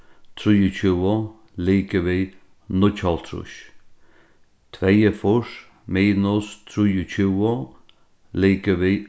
trýogtjúgu ligvið níggjuoghálvtrýss tveyogfýrs minus trýogtjúgu ligvið